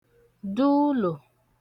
du ulò